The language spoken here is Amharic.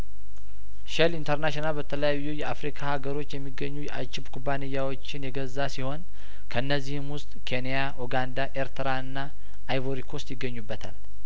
ሼል ኢንተርናሽናል በተለያዩ የአፍሪካ ሀገሮች የሚገኙ የአጂፕ ኩባንያዎችን የገዛ ሲሆን ከእነዚህም ውስጥ ኬንያ ኡጋንዳ ኤርትራና አይቮሪኮስት ይገኙበታል